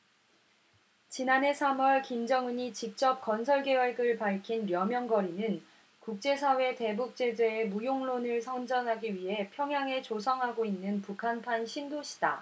지난해 삼 월 김정은이 직접 건설 계획을 밝힌 려명거리는 국제사회 대북 제재의 무용론을 선전하기 위해 평양에 조성하고 있는 북한판 신도시다